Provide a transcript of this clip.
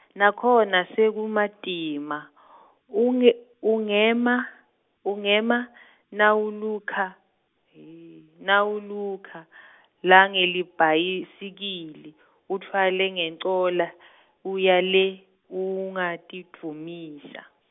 nakhona sekumatima , unge- ungema, ungema nawulukha nawulukha , langelibhayisikili utfwale ngencola , uye le, ungatidvumisa.